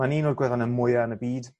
ma'n un o'r gwefanne mwya yn y byd